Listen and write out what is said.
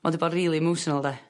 Ma' 'di bod rili emotional 'de.